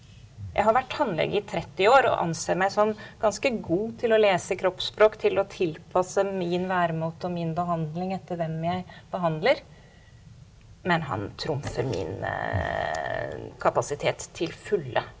jeg har vært tannlege i 30 år og anser meg som ganske god til å lese kroppsspråk, til å tilpasse min væremåte og min behandling etter hvem jeg behandler, men han trumfer min kapasitet til fulle.